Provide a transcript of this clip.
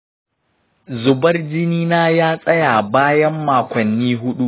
zubar jinina ya tsaya bayan makonni huɗu.